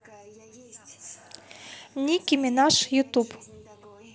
ники минаж ютуб